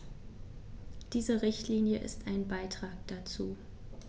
Diese Richtlinie ist ein Beitrag dazu.